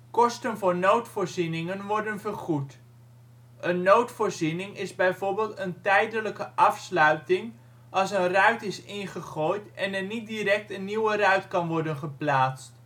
Kosten voor noodvoorzieningen worden vergoed. Een noodvoorziening is bijvoorbeeld een tijdelijke afsluiting als een ruit is ingegooid en er niet direct een nieuwe ruit kan worden geplaatst